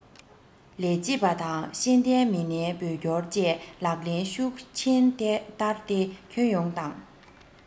ལས བྱེད པ དང ཤེས ལྡན མི སྣའི བོད སྐྱོར བཅས ལག ལེན ཤུགས ཆེན བསྟར ཏེ ཁྱོན ཡོངས དང